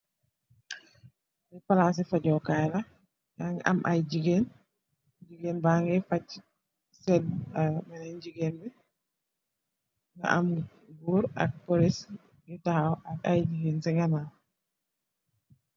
Palas ci fajokaiy la mougui am ayie jegueen youye fatch